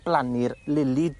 blannu'r lili